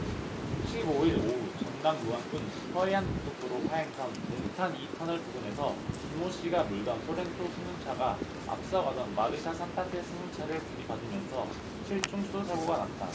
십 오 일 오후 전남 무안군 서해안고속도로 하행선 몽탄 이 터널 부근에서 김모씨가 몰던 쏘렌토 승용차가 앞서 가던 마르샤 싼타페 승용차를 들이받으면서 칠 중 추돌사고가 났다